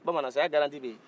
bamanan saya garantie beye